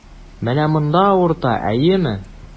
Менә монда авырта, әйеме?